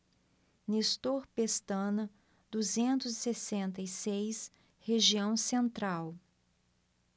nestor pestana duzentos e sessenta e seis região central